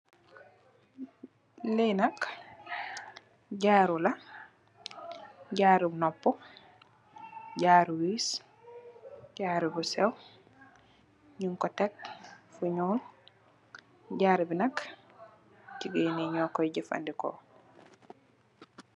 Lee nak jaaru la jaaru nopu jaaru wess jaaru bu seew nugku tek fu nuul jaaru be nak jegain ye nukoy jefaneku.